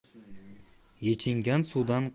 yechingan suvdan qaytmas